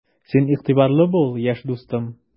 Син дә игътибарлы бул, яшь дустым!